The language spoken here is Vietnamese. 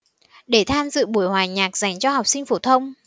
để tham dự buổi hòa nhạc dành cho học sinh phổ thông